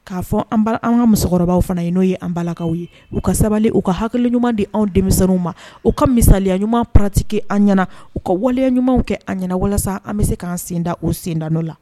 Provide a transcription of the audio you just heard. K'a fɔ an an ka musokɔrɔbaw fana ye n'o ye anbalakaw ye u ka sabali u ka hal ɲuman di an denmisɛnninw ma u ka misaya ɲuman pati kɛ an ɲɛna u ka waleya ɲumanw kɛ an ɲɛna walasa an bɛ se k'an senda u senda' la